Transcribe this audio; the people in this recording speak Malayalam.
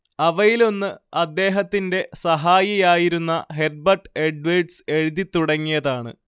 അവയിലൊന്ന് അദ്ദേഹത്തിന്റെ സഹായിയായിരുന്ന ഹെർബെർട്ട് എഡ്വേഡ്സ് എഴുതിത്തുടങ്ങിയതാണ്